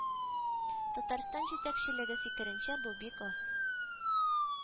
Татарстан җитәкчелеге фикеренчә, бу бик аз